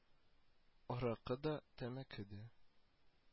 Аракы да, тәмәке дә